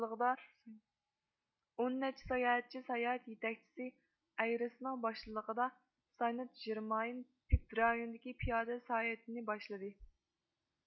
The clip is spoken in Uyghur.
ئون نەچچە ساياھەتچى ساياھەت يېتەكچىسى ئەيرىسنىڭ باشچىلىقىدا ساينت ژېرماين پېد رايونىدىكى پىيادە ساياھىتىنى باشلىدى